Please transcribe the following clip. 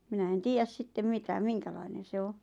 minä en tiedä sitten mitä minkälainen se on